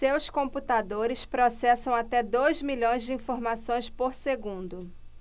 seus computadores processam até dois milhões de informações por segundo